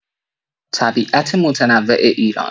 طبیعت متنوع ایران